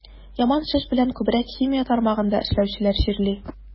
Яман шеш белән күбрәк химия тармагында эшләүчеләр чирли.